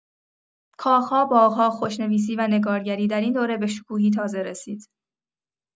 کاخ‌ها، باغ‌ها، خوشنویسی و نگارگری در این دوره به شکوهی تازه رسید.